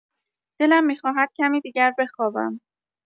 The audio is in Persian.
دلم می‌خواهد کمی دیگر بخوابم.